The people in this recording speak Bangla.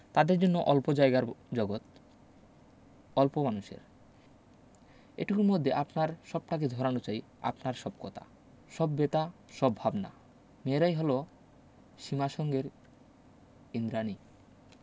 তাদের জন্য অল্প জায়গার জগত অল্প মানুষের এটুকুর মধ্যে আপনার সবটাকে ধরানো চাই আপনার সব কতা সব ব্যাতা সব ভাবনা মেয়েরাই হল সীমাস্বঙ্গের ঈন্দ্রাণী